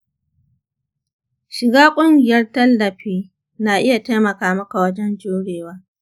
shiga ƙungiyar tallafi na iya taimaka maka wajen jurewa.